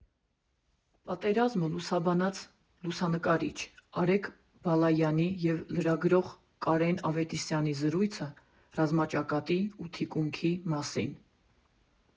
Պատերազմը լուսաբանած լուսանկարիչ Արեգ Բալայանի ու լրագրող Կարեն Ավետիսյանի զրույցը՝ ռազմաճակատի ու թիկունքի մասին։